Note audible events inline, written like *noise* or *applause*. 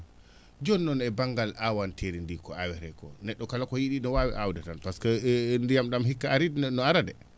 jooni noon e ba?ngal aawanteeri ndii ko awetee ko ne??o kala ko yi?i no waawi aawde tan pasque *hesitation* ndiyam ?am hikka arii no ara de